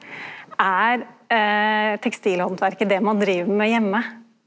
er tekstilhandverket det ein driv med heime?